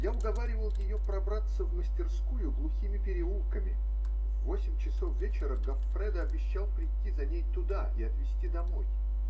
Я уговаривал ее пробраться в мастерскую глухими переулками: в восемь часов вечера Гоффредо обещал прийти за ней туда и отвезти домой.